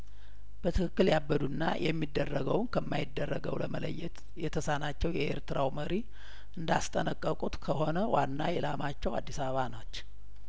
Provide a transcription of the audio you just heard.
በትክክል ያበዱና የሚደረገውን ከማይደረገው ለመለየት የተሳናቸው የኤርትራው መሪ እንዳስጠነቀቁት ከሆነ ዋና ኢላማቸው አዲስ አበባ ናቸው